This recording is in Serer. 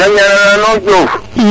maxey ñana nuun Diouf